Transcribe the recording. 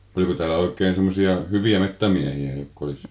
oliko täällä oikein semmoisia hyviä metsämiehiä jotka olisi